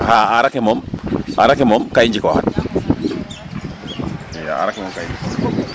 xa'aa aar ake moom ka i njikooxan ii aar ake mom ga i njikooxan .